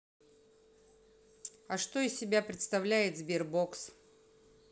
а что из себя представляет сбер бокс